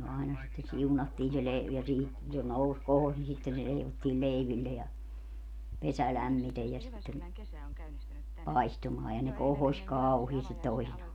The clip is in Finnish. aina sitten siunattiin se - ja - se nousi kohosi niin sitten se leivottiin leiville ja pesä lämmiten ja sitten paistumaan ja ne kohosi kauheasti toisinaan